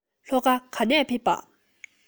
ལྷོ ཁ ག ནས ཕེབས པ